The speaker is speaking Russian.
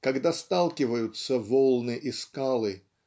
когда сталкиваются волны и скалы